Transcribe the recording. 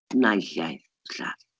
O naill iaith i'r llall.